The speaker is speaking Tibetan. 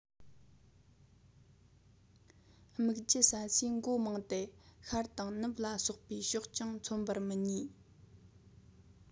སྨིག རྒྱུ ཟ ཟིས མགོ རྨོངས ཏེ ཤར དང ནུབ ལ སོགས པའི ཕྱོགས ཀྱང མཚོན པར མི ནུས